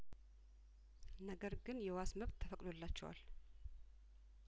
ነገርግን የዋስ መብት ተፈቅዶላቸዋል